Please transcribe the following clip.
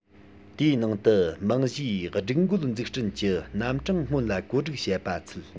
དེའི ནང དུ རྨང གཞིའི སྒྲིག བཀོད འཛུགས སྐྲུན གྱི རྣམ གྲངས སྔོན ལ བཀོད སྒྲིག བྱེད པ ཚུད